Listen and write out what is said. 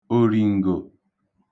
òrìǹgò